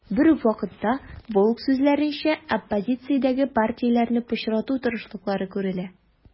Берүк вакытта, Волк сүзләренчә, оппозициядәге партияләрне пычрату тырышлыклары күрелә.